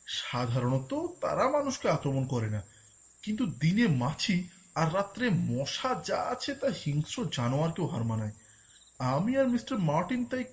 সাধারণত তারা মানুষকে আক্রমণ করে না কিন্তু দিনে মাছি ও রাতে মশা যা আছে তা হিংস্র জানোয়ারকে হার মানে আমি আর মিস্টার মারটিন তাই